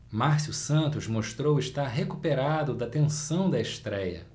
márcio santos mostrou estar recuperado da tensão da estréia